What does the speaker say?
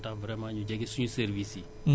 war na tax vraiment ñu jege suñu services yi